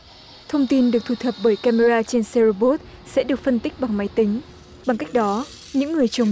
thông tin được thu thập bởi ca me ra trên xe rô bốt sẽ được phân tích bằng máy tính bằng cách đó những người trồng